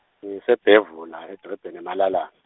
ngiseBhevula, edrobheni eMalelane.